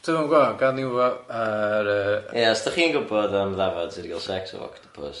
Dwi'm yn gwbo' gan ni wbo ar yy Ie os dych chi'n gwbod am ddafad sy'n gael sex efo octopus.